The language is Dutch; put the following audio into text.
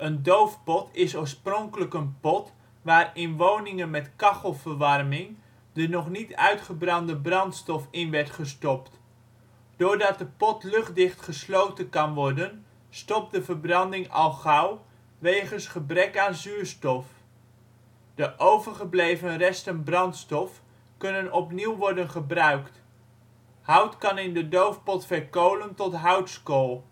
doofpot is oorspronkelijk een pot waar in woningen met kachelverwarming de nog niet uitgebrande brandstof werd gestopt. Doordat de pot luchtdicht gesloten kan worden, stopt de verbranding al gauw, wegens gebrek aan zuurstof. De overgebleven resten brandstof kunnen opnieuw worden gebruikt. Hout kan in de doofpot verkolen tot houtskool